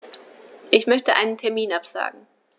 Ich möchte einen Termin absagen.